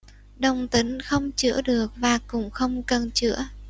đồng tính không chữa được và cũng không cần chữa